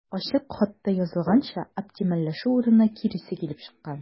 Ачык хатта язылганча, оптимальләшү урынына киресе килеп чыккан.